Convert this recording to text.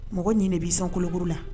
Mɔgɔ ɲini b'i sɔn kolokuru la